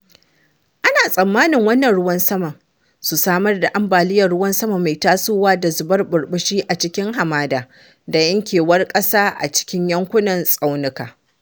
Ana tsammanin wannan ruwan saman su samar da ambaliyar ruwan sama mai tasowa da zubar burbushi a cikin hamada, da yankewar ƙasa a cikin yankunan tsaunuka.